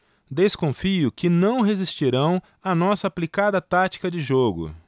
desconfio que não resistirão à nossa aplicada tática de jogo